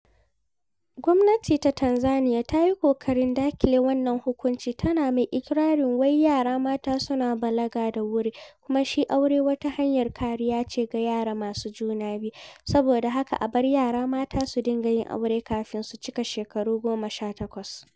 Gwamnatin ta Tanzaniya ta yi ƙoƙarin daƙile wannan hukuncin, tana mai iƙirarin wai yara mata suna balaga da wuri kuma shi aure wata hanyar kariya ce ga yara masu juna biyu. Saboda haka a bar yara mata su dinga yin aure kafin su cika shekaru 18.